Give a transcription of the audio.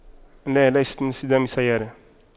لا ليست من اصطدام سيارة